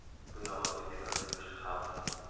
bu yog'iga piyoda yurish xavfli